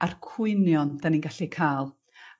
A'r cwynion 'dan ni'n gallu ca'l